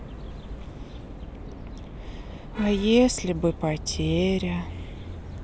а если бы потеря